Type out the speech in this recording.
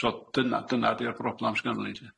So dyna dyna di'r broblam s'gynno ni lly.